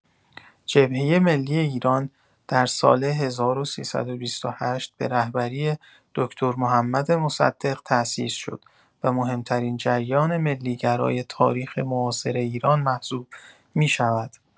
جبهه ملی ایران در سال ۱۳۲۸ به رهبری دکتر محمد مصدق تأسیس شد و مهم‌ترین جریان ملی‌گرای تاریخ معاصر ایران محسوب می‌شود.